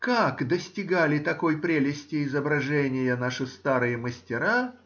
Как достигали такой прелести изображения наши старые мастера?